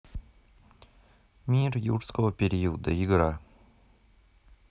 мир юрского периода игра